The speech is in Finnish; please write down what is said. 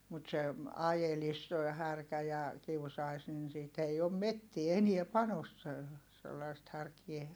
mutta se ajelisi tuo härkä ja kiusaisi niin siitä ei ole metsään enää panossee sellaista härkää